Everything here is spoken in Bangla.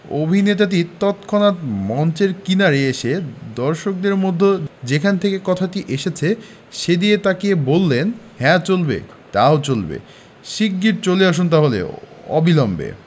অভিনেতাটি তৎক্ষনাত মঞ্চের কিনারে এসে দর্শকদের মধ্যে যেখান থেকে কথাটা এসেছে সেদিকে তাকিয়ে বললেন হ্যাঁ চলবে তাও চলবে শিগগির চলে আসুন তাহলে অবিলম্বে